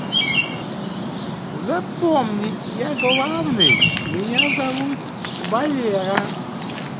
запомни я главный меня зовут валера